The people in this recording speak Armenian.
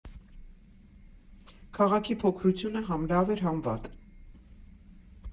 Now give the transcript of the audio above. Քաղաքի փոքրությունը հա՛մ լավ էր, հա՛մ վատ։